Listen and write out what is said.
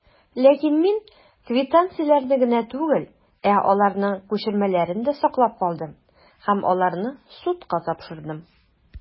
Ләкин мин квитанцияләрне генә түгел, ә аларның күчермәләрен дә саклап калдым, һәм аларны судка тапшырдым.